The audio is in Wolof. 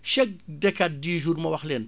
chaque décate dix jours ma wax leen